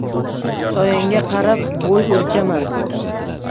soyangga qarab bo'y o'lchama